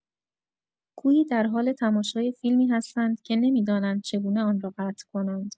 گویی در حال تماشای فیلمی هستند که نمی‌دانند چگونه آن را قطع کنند.